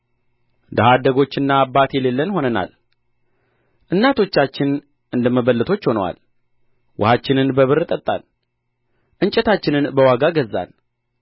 ድሀ አደጎችና አባት የሌለን ሆነናል እናቶቻችን እንደ መበለቶች ሆነዋል ውኃችንን በብር ጠጣን እንጨታችንን በዋጋ ገዛን